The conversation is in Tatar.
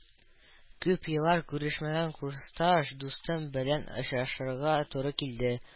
Күп еллар күрешмәгән курсташ дустым белән очрашырга туры килде